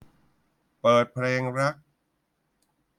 เปิดเพลงรัก